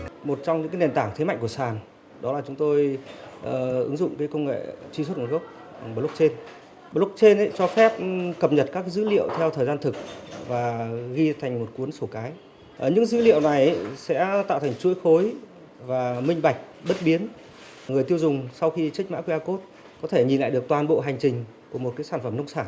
một trong những cái nền tảng thế mạnh của sàn đó là chúng tôi ở ứng dụng công nghệ truy xuất nguồn gốc bằng bờ lốc trên bờ lốc trên ấy cho phép cập nhật các dữ liệu theo thời gian thực và ghi thành một cuốn sổ cái ở những dữ liệu này sẽ tạo thành chuỗi khối và minh bạch bất biến người tiêu dùng sau khi chếch mã quy a cốt có thể nhìn lại được toàn bộ hành trình của một sản phẩm nông sản